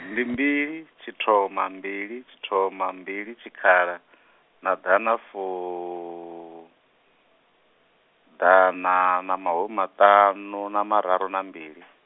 ndi mbili tshithoma mbili tshithoma mbili tshikhala, na danafu-, -dana na mahumimaṱanu na mararu na mbili.